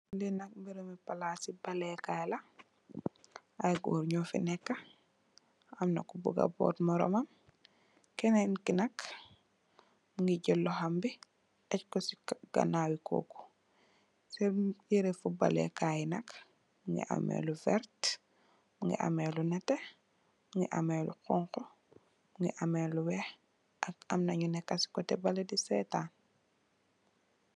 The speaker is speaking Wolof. li nak berabi palassi kai football leh kai la i gorr nyofi neka amna ku buga bot moramam kenen ki nak Mungi jel lohom bi tekko sey ganawi koku sen yereh football leh kai bi nak Mungi ameh lu verteh Mungi ameh lu neteh Mungi ameh lu hunhu Mungi ameh lu weih ak amna nyu neka sey koteh beleh d setan .